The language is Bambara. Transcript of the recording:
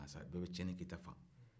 bɛɛ bɛ tiɲɛni kɛ i ta fan